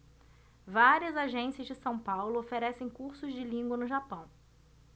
várias agências de são paulo oferecem cursos de língua no japão